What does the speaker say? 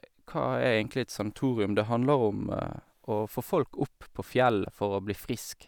Hva er egentlig et sanatorium, det handler om å få folk opp på fjellet for å bli frisk.